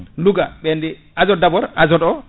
Louga ɓen azote d' abord azote o